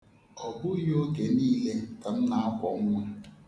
Ọ bụghị oge niile ka m na-akwọ nwa.